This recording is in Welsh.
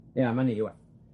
Ia, 'ma ni ŵan.